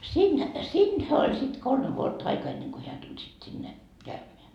sinne siitähän oli sitten kolme vuotta aikaa ennen kuin hän tuli sitten sinne käymään